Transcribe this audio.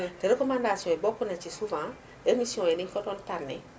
recommandations yi bokk na ci souvent émissions yi ni ñu ko doon tànnee